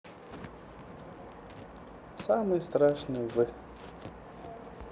самый страшный в